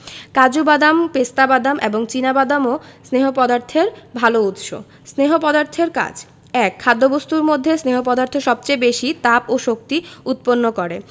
কাজু বাদাম পেস্তা বাদাম এবং চিনা বাদামও স্নেহ পদার্থের ভালো উৎস স্নেহ পদার্থের কাজ ১. খাদ্যবস্তুর মধ্যে স্নেহ পদার্থ সবচেয়ে বেশী তাপ এবং শক্তি উৎপন্ন করে